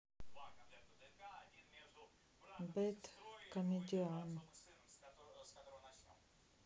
бэд комедиан